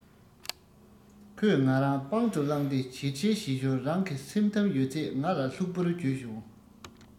ཁོས ང རང པང དུ བླངས ཏེ བྱིལ བྱིལ བྱེད ཞོར རང གི སེམས གཏམ ཡོད ཚད ང ལ ལྷུག པོར བརྗོད བྱུང